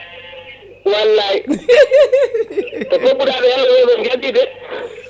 wallay to pobɓuɗa ɗo tan oɗo * de